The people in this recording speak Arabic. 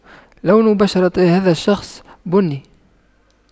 لون بشرة هذا الشخص بني